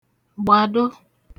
gbàdo